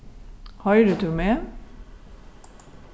hoyrir tú meg